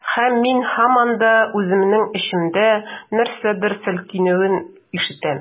Һәм мин һаман да үземнең эчемдә нәрсәдер селкенүен ишетәм.